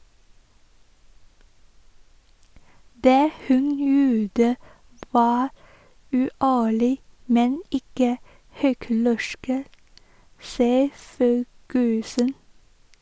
Det hun gjorde var uærlig, men ikke hyklersk, sier Ferguson.